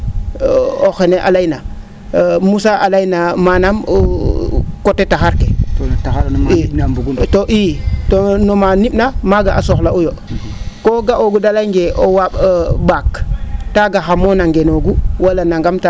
o xene a layna Moussa a layna manaam coté taxar ke to ii to maa ni?na maaga a soxla'uyo koo ga'oogu de leyngee ?aak taaga xa moon a ngenoogu wala nangam